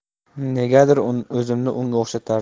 negadir o'zimni unga o'xshatardim